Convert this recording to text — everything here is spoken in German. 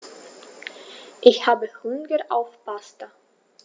Ich habe Hunger auf Pasta.